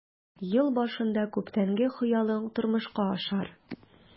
Ел башында күптәнге хыялың тормышка ашар.